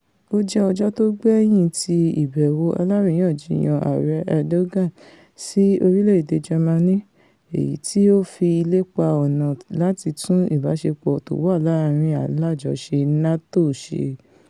Ó jẹ́ ọjọ tó gbẹ̀yìn ti ìbẹ̀wò aláàríyànjiyàn Aàrẹ Erdogan sí orílẹ̀-èdè Jamani - èyití ó fi lépa ọ̀nà láti tún ìbáṣepọ̀ tówà láàrin alájọṣe NATO ṣe.